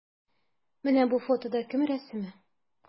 Менә бу фотода кем рәсеме?